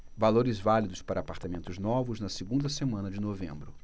valores válidos para apartamentos novos na segunda semana de novembro